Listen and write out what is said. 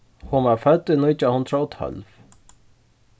hon var fødd í nítjan hundrað og tólv